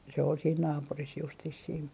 se oli siinä naapurissa justiin siinä